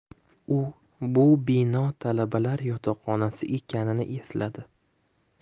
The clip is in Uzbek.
u bu bino talabalar yotoqxonasi ekanini esladi